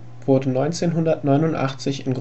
1989 in